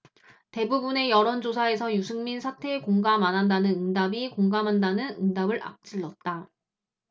대부분의 여론조사에서 유승민 사퇴에 공감 안 한다는 응답이 공감한다는 응답을 앞질렀다